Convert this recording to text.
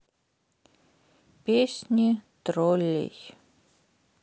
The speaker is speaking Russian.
песенки троллей